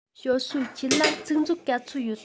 ཞའོ སུའུ ཁྱོད ལ ཚིག མཛོད ག ཚོད ཡོད